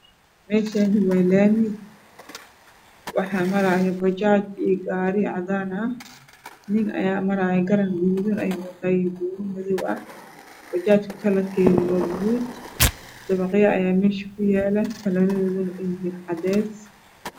Meeshaani waa laami waxaa marayaa bajaja iyo gaari cadaan ah nin ayaa marayaa garan guduudan ayuu wataa buumo madaw ah bajajka kalarkedu waa hurud dabaqyo ayaa meesha kuyaala kalaradoduna yihiin cadays